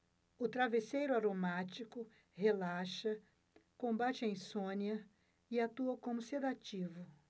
o travesseiro aromático relaxa combate a insônia e atua como sedativo